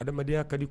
Adamadenyaya ka di